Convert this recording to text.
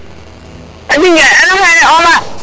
Khady Ndiaye ano xene Omar